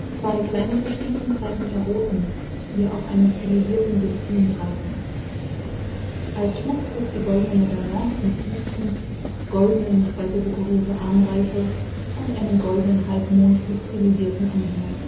Zwei kleinere Schließen zeigen Eroten, die auf einem stilisierten Delphin reiten. Als Schmuck trug sie goldene Medaillons mit Büsten, goldene, nicht weiter dekorierte Armreife und einen goldenen Halbmond mit stilisierten Anhängern